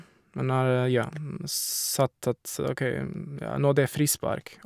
Men har, ja, sagt at OK, ja, nå det er frispark.